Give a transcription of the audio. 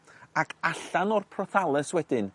ac allan o'r prothallus wedyn